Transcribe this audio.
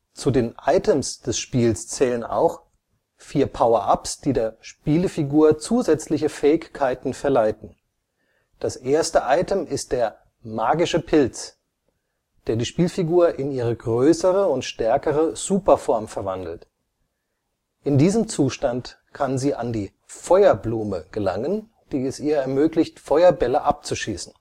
Zu den Items des Spiels zählen auch vier Power-ups, die der Spielfigur zusätzliche Fähigkeiten verleihen. Das erste Item ist der „ magische Pilz “, der die Spielfigur in ihre größere und stärkere Super-Form verwandelt. In diesem Zustand kann sie an die „ Feuer-Blume “[A 5] gelangen, die es ihr ermöglicht, Feuerbälle abzuschießen